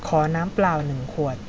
ขอน้ำเปล่าหนึ่งขวด